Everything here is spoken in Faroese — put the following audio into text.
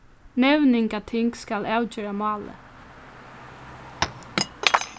nevningating skal avgera málið